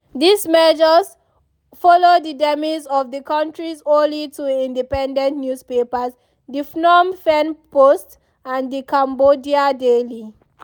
These measures follow the demise of the country's only two independent newspapers — The Phnom Pehn Post and The Cambodia Daily.